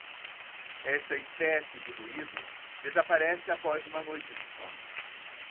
esta espécie de ruído desaparece após uma noite de sono